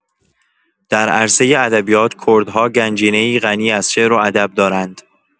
در عرصه ادبیات، کردها گنجینه‌ای غنی از شعر و ادب دارند.